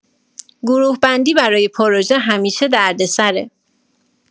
گروه‌بندی برای پروژه همیشه دردسره